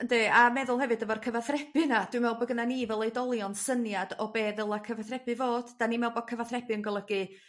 Ynde, a meddwl hefyd efo'r cyfathrebu 'na dwi me'wl bo' gynna ni fel oedolion syniad o be' dyla cyfathrebu fod. 'Dan ni me'wl bo' cyfathrebu yn golygu